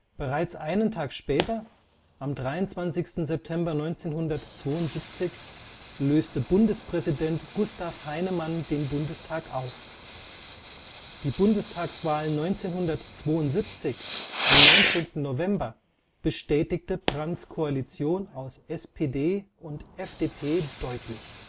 Bereits einen Tag später, am 23. September 1972, löste Bundespräsident Gustav Heinemann den Bundestag auf. Die Bundestagswahl 1972 am 19. November bestätigte Brandts Koalition aus SPD und FDP deutlich